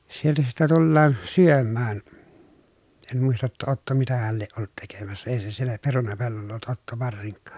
sieltä sitten tullaan syömään en muista jotta Otto mitähän lie ollut tekemässä ei se siellä perunapellolla ollut Otto varsinkaan